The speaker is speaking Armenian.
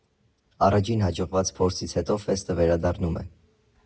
Առաջին հաջողված փորձից հետո ֆեստը վերադառնում է.